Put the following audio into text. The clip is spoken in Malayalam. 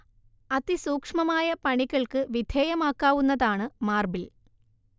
അതിസൂക്ഷ്മമായ പണികൾക്ക് വിധേയമാക്കാവുന്നതാണ് മാർബിൽ